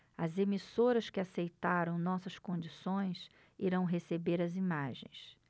as emissoras que aceitaram nossas condições irão receber as imagens